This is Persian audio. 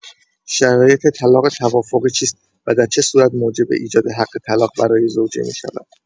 شرایط طلاق توافقی چیست و در چه صورت موجب ایجاد حق طلاق برای زوجه می‌شود؟